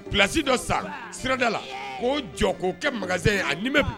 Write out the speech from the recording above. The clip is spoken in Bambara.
Bilasi dɔ sada' jɔ k'o kɛ mansa ye